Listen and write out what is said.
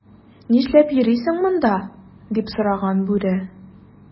"нишләп йөрисең монда,” - дип сораган бүре.